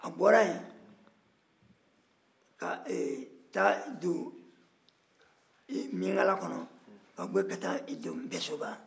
a bɔra yen ka taa don miɲankala ka bɔ ye ka taa don npɛsoba